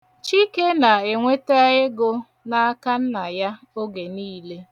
Chike na-enweta ego n'aka nna ya oge niile.